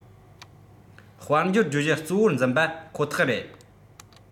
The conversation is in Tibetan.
དཔལ འབྱོར བརྗོད གཞི གཙོ བོར འཛིན པ ཁོ ཐག རེད